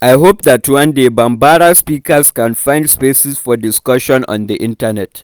I hope that one day, Bambara speakers can find spaces for discussion on the internet,